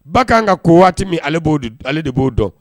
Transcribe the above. Ba ka kan ka ko waati min b'o ale de b'o dɔn